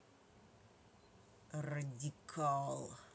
радикал